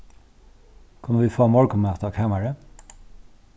kunnu vit fáa morgunmat á kamarið